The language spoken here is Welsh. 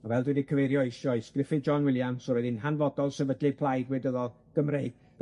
a fel dwi 'di cyfeirio eisoes Gruffydd John Williams yr oedd 'i'n hanfodol sefydlu plaid gwleidyddol Gymreig.